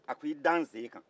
a ko i da n sen kan